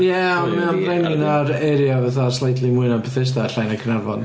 Ie ond mae o'n frenin ar area fatha slightly mwy na Bethesa a llai na Caernarfon.